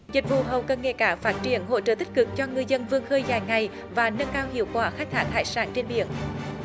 dịch vụ hậu cần nghề cá phát triển hỗ trợ tích cực cho ngư dân vươn khơi dài ngày và nâng cao hiệu quả khai thác hải sản trên biển